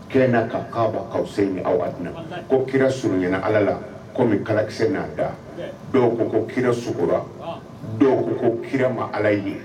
Kɛ'a ka' ka sen aw ko kira suruny ala la komi kalakisɛsɛ n'a da dɔw ko ko kira sukora dɔw ko kira ma ala ye ye